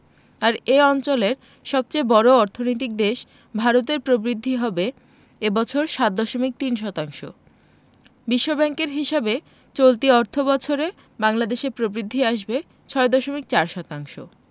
আর এ অঞ্চলের সবচেয়ে বড় অর্থনৈতিক দেশ ভারতের প্রবৃদ্ধি হবে এ বছর ৭.৩ শতাংশ বিশ্বব্যাংকের হিসাবে চলতি অর্থবছরে বাংলাদেশের প্রবৃদ্ধি আসবে ৬.৪ শতাংশ